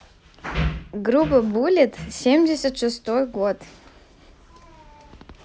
группа bullet семьдесят шестой год